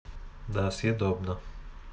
да съедобно